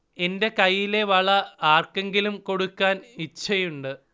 എന്റെ കൈയിലെ വള ആർക്കെങ്കിലും കൊടുക്കാൻ ഇച്ഛയുണ്ട്